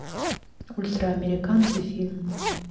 ультраамериканцы фильм